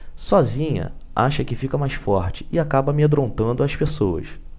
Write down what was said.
sozinha acha que fica mais forte e acaba amedrontando as pessoas